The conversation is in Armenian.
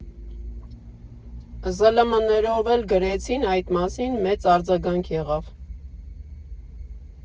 ԶԼՄ֊ներով էլ գրեցին այդ մասին, մեծ արձագանք եղավ։